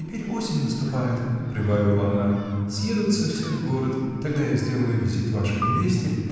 Теперь осень наступает, – прибавила она, – съедутся все в город. Тогда я сделаю визит вашей невесте